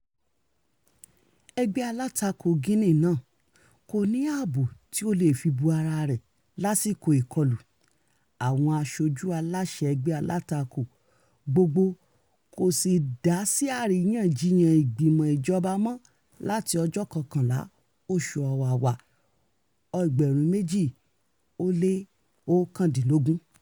Ẹgbẹ́ alátakò Guinea náà kò ní ààbò tí ó lè fi bo araa rẹ̀ lásìkò ìkọlù: àwọn aṣojú aláṣẹ ẹgbẹ́ alátakò gbogbo kò dá sí àríyànjiyàn ìgbìmọ̀ ìjọba mọ́ láti ọjọ́ 11, oṣù Ọ̀wàrà 2019.